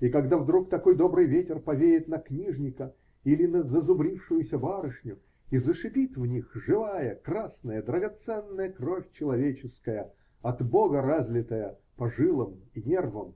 И когда вдруг такой добрый ветер повеет на книжника или на зазубрившуюся барышню, и зашипит в них живая, красная, драгоценная кровь человеческая, от Бога разлитая по жилам и нервам,